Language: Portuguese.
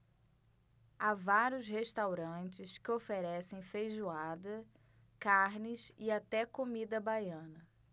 há vários restaurantes que oferecem feijoada carnes e até comida baiana